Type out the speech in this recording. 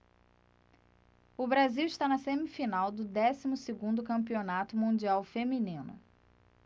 o brasil está na semifinal do décimo segundo campeonato mundial feminino